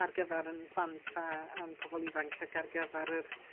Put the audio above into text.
ar gyfar 'yn plant a a'n pobol ifanc ag ar gyfar yr